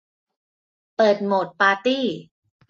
เปิดโหมดปาร์ตี้